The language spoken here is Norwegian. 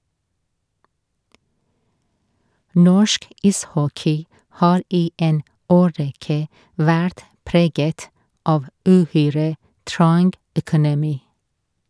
Norsk ishockey har i en årrekke vært preget av uhyre trang økonomi.